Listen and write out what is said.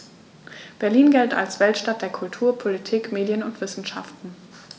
Berlin gilt als Weltstadt der Kultur, Politik, Medien und Wissenschaften.